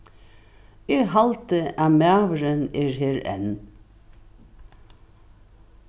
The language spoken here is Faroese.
eg haldi at maðurin er her enn